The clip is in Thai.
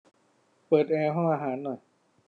เปิดแอร์ห้องอาหารหน่อย